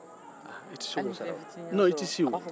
i tɛ se k'o sara o